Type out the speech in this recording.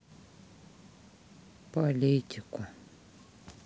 политику